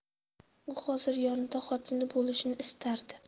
u hozir yonida xotini bo'lishini istardi